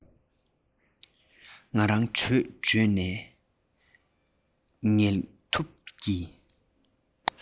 ང རང བྲོས བྲོས ནས ངལ དུབ ཀྱིས